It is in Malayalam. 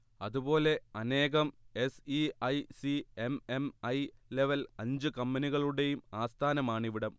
അതുപോലെ അനേകം S E I C M M I level അഞ്ച് കമ്പനികളുടെയും ആസ്ഥാനമാണിവിടം